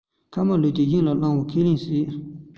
ཁ མའེ ལུན གྱིས གཞན གྱིས བླངས པ ཁས ལེན སྲིད